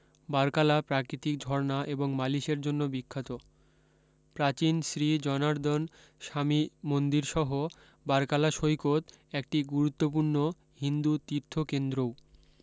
বার্কালা প্রাকৃতিক ঝরণা এবং মালিশের জন্য বিখ্যাত প্রাচীন শ্রী জনার্দন স্বামী মন্দির সহ বার্কালা সৈকত একটি গুরুত্বপূর্ণ হিন্দু তীর্থকেন্দ্রও